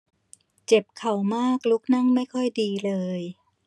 เจ็บเข่ามากลุกนั่งไม่ค่อยดีเลย